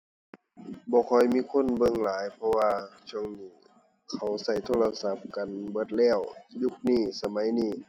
บ่ค่อยมีคนเบิ่งหลาย เพราะว่าช่วงนี้เขาใช้โทรศัพท์กันเบิดแล้ว ยุคนี้ สมัยนี้